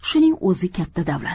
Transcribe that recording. shuning o'zi katta davlat